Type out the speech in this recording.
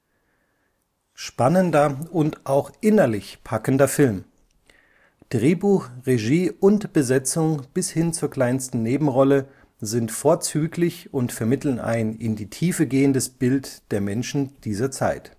Spannender und auch innerlich packender Film. Drehbuch, Regie und Besetzung (bis hin zur kleinsten Nebenrolle) sind vorzüglich und vermitteln ein in die Tiefe gehendes Bild der Menschen dieser Zeit